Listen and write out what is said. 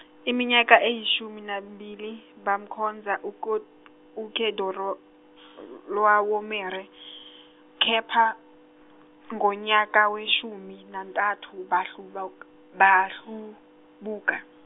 iminyaka eyishumi nambili bamkhonza uGot- uGedoro- -lawomere, kepha, ngonyaka weshumi nantathu bahlubuk- bahlubuka.